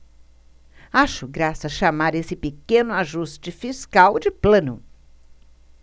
acho graça chamar esse pequeno ajuste fiscal de plano